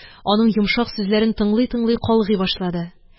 Аның йомшак сүзләрен тыңлый-тыңлый калгый башлады